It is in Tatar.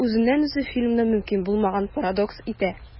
Бу үзеннән-үзе фильмны мөмкин булмаган парадокс итә.